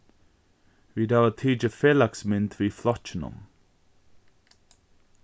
vit hava tikið felagsmynd við flokkinum